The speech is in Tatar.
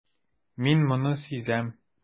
Мин моны сизәм.